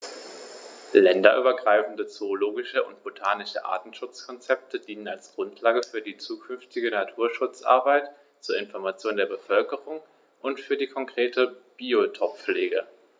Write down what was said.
Länderübergreifende zoologische und botanische Artenschutzkonzepte dienen als Grundlage für die zukünftige Naturschutzarbeit, zur Information der Bevölkerung und für die konkrete Biotoppflege.